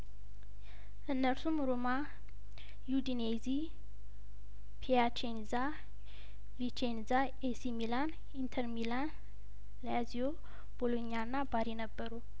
እነርሱም ሮማ ዩዲኔዜ ፒያቼንዛ ቪቼንዛ ኤሲ ሚላን ኢንተር ሚላን ላዚዮ ቦሎኛና ባሪ ነበሩ